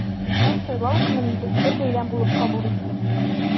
Һәр сайлау көнен без бер бәйрәм булып кабул иттек.